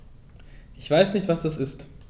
Ich weiß nicht, was das ist.